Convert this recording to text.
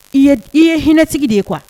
I ye hinɛtigi de ye kuwa